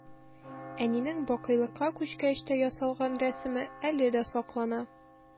Әнинең бакыйлыкка күчкәч тә ясалган рәсеме әле дә саклана.